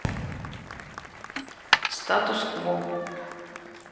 status quo